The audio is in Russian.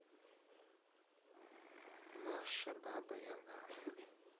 маша баба яга